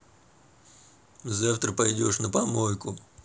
завтра пойдешь на помойку